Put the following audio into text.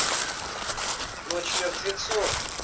ночь мертвецов